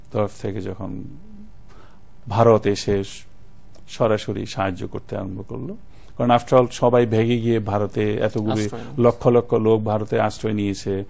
তরফ থেকে যখন ভারত এসে সরাসরি সাহায্য করতে আরম্ভ করলো কারণ আফটার অল সবাই ভেগে গিয়ে ভারতে এতগুলি লক্ষ লক্ষ লোক ভারতে আশ্রয় নিয়েছে